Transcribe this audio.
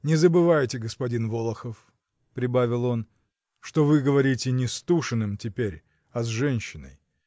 Не забывайте, господин Волохов, — прибавил он, — что вы говорите не с Тушиным теперь, а с женщиной.